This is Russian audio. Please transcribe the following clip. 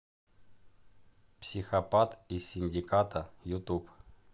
психопат из синдиката ютуб